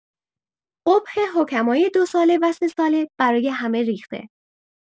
قبح حکمای دوساله و سه‌ساله برای همه ریخته.